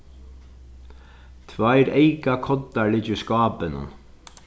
tveir eyka koddar liggja í skápinum